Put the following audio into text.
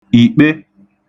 ìkpe